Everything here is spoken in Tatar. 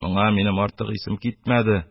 Моңа минем артык исем китмәде.